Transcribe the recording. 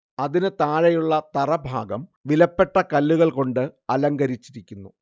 അതിനു താഴെയുള്ള തറ ഭാഗം വിലപ്പെട്ട കല്ലുകൾ കൊണ്ട് അലങ്കരിച്ചിരിക്കുന്നു